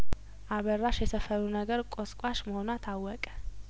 አበራሽ የሰፈሩ ነገር ቆስቋሽ መሆኗ ታወቀ